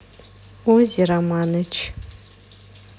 озеро маныч